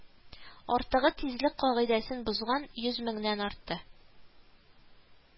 Артыгы тизлек кагыйдәсен бозган, йөз меңнән арты